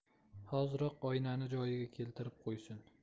hoziroq oynani joyiga keltirib qo'ysin